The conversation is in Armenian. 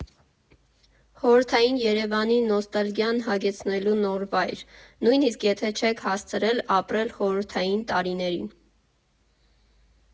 Խորհրդային Երևանի նոստալգիան հագեցնելու նոր վայր՝ նույնիսկ եթե չեք հասցրել ապրել խորհրդային տարիներին։